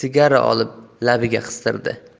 sigara olib labiga qistirdi